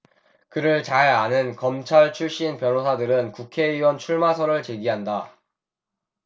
그를 잘 아는 검찰 출신 변호사들은 국회의원 출마설을 제기한다